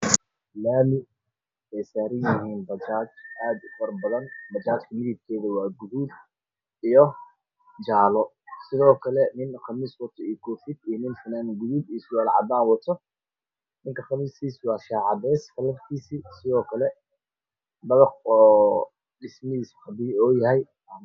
Laami ay saaran yihiin bajaaj aad u fara badan